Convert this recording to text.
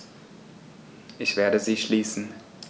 Ich werde sie schließen.